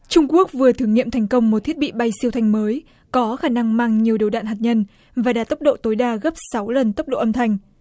trung quốc vừa thử nghiệm thành công một thiết bị bay siêu thanh mới có khả năng mang nhiều đầu đạn hạt nhân và đạt tốc độ tối đa gấp sáu lần tốc độ âm thanh